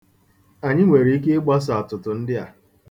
Anyị nwere ike ịgbaso atụtụ ndị a.